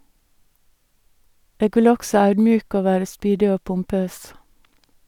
Eg vil også audmjuke og vere spydig og pompøs.